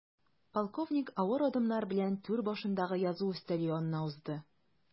Полковник авыр адымнар белән түр башындагы язу өстәле янына узды.